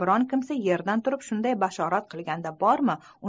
biron kimsa yerdan turib shunday bashorat qilganda bormi